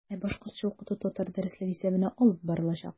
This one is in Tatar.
Ә башкортча укыту татар дәресләре исәбенә алып барылачак.